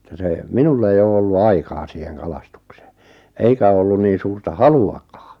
että se minulla ei ole ollut aikaa siihen kalastukseen eikä ole ollut niin suurta haluakaan